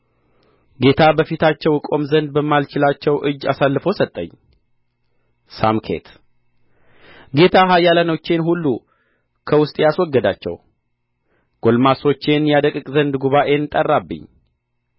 ጌታ በፊታቸው እቆም ዘንድ በማልችላቸው እጅ አሳልፎ ሰጠኝ ሳምኬት ጌታ ኃያላኖቼን ሁሉ ከውስጤ አስወገዳቸው ጕልማሶቼን ያደቅቅ ዘንድ ጉባኤን ጠራብኝ